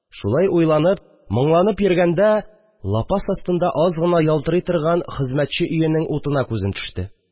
Шулай уйланып, моңланып йөргәндә, лапас астында аз гына ялтырый торган хезмәтче өенең утына күзем төште